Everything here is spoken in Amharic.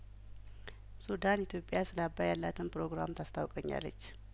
ሱዳን ኢትዮጵያ ስለአባይ ያላትን ፕሮግራም ታስታውቀኝ አለች